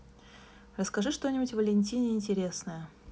расскажи что нибудь валентине интересное